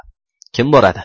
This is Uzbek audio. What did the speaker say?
kim boradi